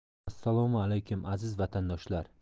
assalomu alaykum aziz vatandoshlar